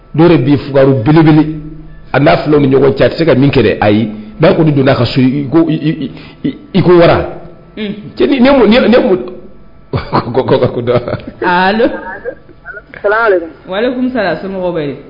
Dɔw de bi fug belebele a'a fula ni ɲɔgɔn cɛ tɛ se ka min kɛ ayi n'a nin donna'a ka so iko wa ka kodɔn wa ale tunsa somɔgɔ bɛ ye